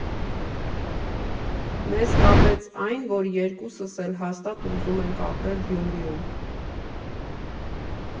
Մեզ կապեց այն, որ երկուսս էլ հաստատ ուզում ենք ապրել Գյումրիում։